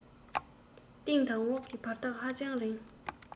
སྟེང དང འོག གི བར ཐག ཧ ཅང རིང